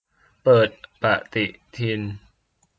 เปิดปฎิทิน